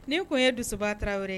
Nin kun ye Doussouba Traore